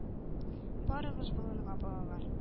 Барыгыз болынга, балалар!